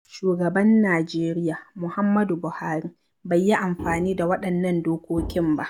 Shugaban Najeriya Muhammadu Buhari bai yi amfani da waɗannan dokokin ba.